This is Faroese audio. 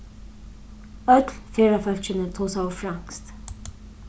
øll ferðafólkini tosaðu franskt